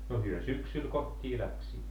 no he syksyllä kotiin lähtivät